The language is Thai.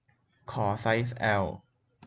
ขอไซส์แอล